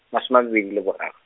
masome mabedi le borag-.